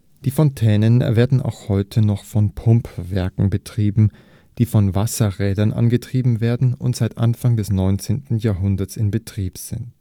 Die Fontänen werden auch heute noch von Pumpwerken betrieben, die von Wasserrädern angetrieben werden und seit Anfang des 19. Jahrhunderts in Betrieb sind